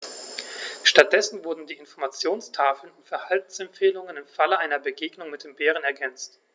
Stattdessen wurden die Informationstafeln um Verhaltensempfehlungen im Falle einer Begegnung mit dem Bären ergänzt.